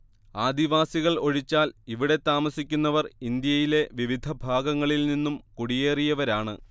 ആദിവാസികൾ ഒഴിച്ചാൽ ഇവിടെ താമസിക്കുന്നവർ ഇന്ത്യയിലെ വിവിധ ഭാഗങ്ങളിൽ നിന്നും കുടിയേറിയവരാണ്